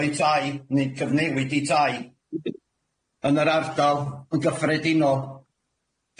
o'u tai neu cyfnewid eu tai yn yr ardal yn gyffredinol.